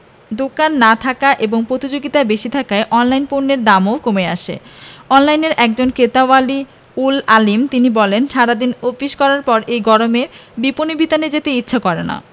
দোকান না থাকা এবং প্রতিযোগিতা বেশি থাকায় অনলাইনে পণ্যের দামও কমে আসে অনলাইনের একজন ক্রেতা ওয়ালি উল আলীম তিনি বলেন সারা দিন অফিস করার পর এই গরমে বিপণিবিতানে যেতে ইচ্ছে করে না